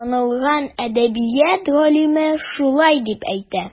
Танылган әдәбият галиме шулай дип әйтә.